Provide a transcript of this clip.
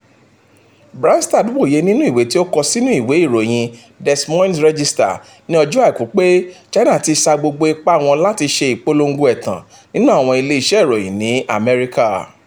Branstad wòye nínú ìwé tí ó kọ sínú ìwé ìròyìn Des Moines Register ní ọjọ́ Àìkú pé China ti sa gbogbo ipa wọn láti ṣe ìpolongo ẹ̀tàn nínú àwọn ilé iṣẹ́ ìròyìn ní Amẹ́ríkà.